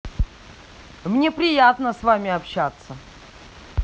мне приятно с вами общаться